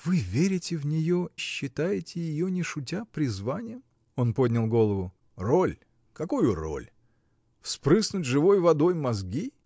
— Вы верите в нее, считаете ее, не шутя, призванием? Он поднял голову. — Роль, — какую роль? вспрыснуть живой водой мозги?